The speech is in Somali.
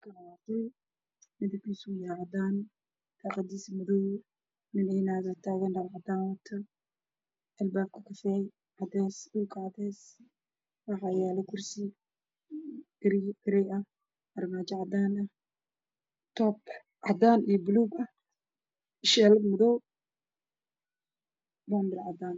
Waxaa ii muuqda saako buluug ah madow ah oo meel taallo dhulka wacdaan